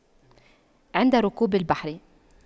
عند ركوب البحر